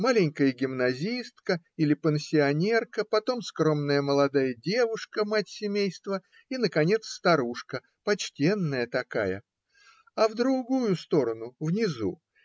маленькая гимназистка или пансионерка, потом скромная молодая девушка, мать семейства и, наконец, старушка, почтенная такая, а в другую сторону, внизу